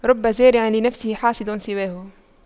رب زارع لنفسه حاصد سواه